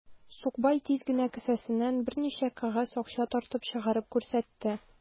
Сукбай тиз генә кесәсеннән берничә кәгазь акча тартып чыгарып күрсәтте.